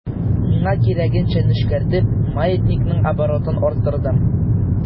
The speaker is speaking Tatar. Миңа кирәгенчә нечкәртеп, маятникның оборотын арттырдым.